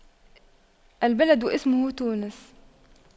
البلد اسمه تونس